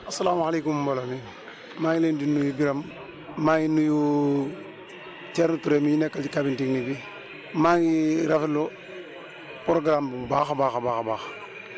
asalaamaaleykum mbooloo mi maa ngi leen di nuyu Birame maa ngi nuyu Thierno Touré mi ñu nekkal ci cabine technique bi maa ngi rafetlu programme bi bu baax a baax a baax